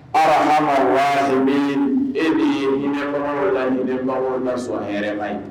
Ayiwaraba wa e ni laɲinibagaw la sɔn hɛrɛ la